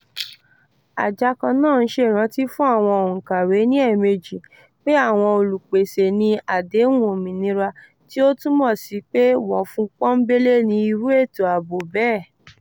Àjákọ náà ń ṣe ìrántí fún àwọn òǹkàwé - ní ẹ̀ẹ̀mejì - pé àwọn olùpèsè ní " àdéhùn òmìnira", tí ó túmọ̀ sí pé wọ̀fún pọ́nńbélé ni irú ètò àbò bẹ́ẹ̀.